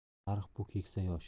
tarix bu keksa yosh